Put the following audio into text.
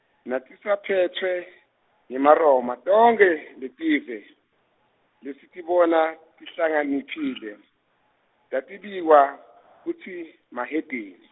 natisaphetfwe, ngeMaroma tonkhe, letive, lesitibona tihlakaniphile, tatibitwa kutsi mahedeni.